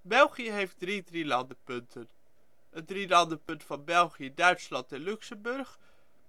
België heeft drie drielandenpunten: een drielandenpunt van België, Duitsland en Luxemburg